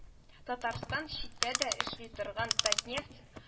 Татарстан читтә дә эшли торган Татнефть